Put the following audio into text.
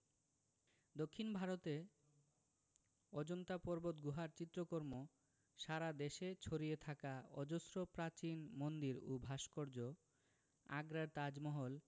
দক্ষিন ভারতে অজন্তা পর্বতগুহার চিত্রকর্ম সারা দেশে ছড়িয়ে থাকা অজস্র প্রাচীন মন্দির ও ভাস্কর্য আগ্রার তাজমহল